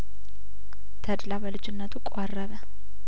ተድላ በልጅነ ቱቆረበ